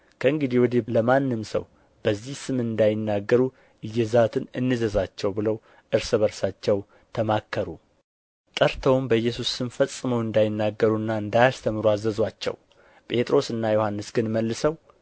ከእንግዲህ ወዲህ ለማንም ሰው በዚህ ስም እንዳይናገሩ እየዛትን እንዘዛቸው ብለው እርስ በርሳቸው ተማከሩ ጠርተውም በኢየሱስ ስም ፈጽመው እንዳይናገሩና እንዳያስተምሩ አዘዙአቸው ጴጥሮስና ዮሐንስ ግን መልሰው